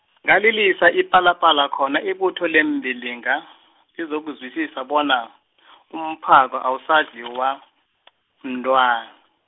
ngalilisa ipalapala khona ibutho leembilinga , lizokuzwisisa bona , umphako awusadliwa, mntwa-.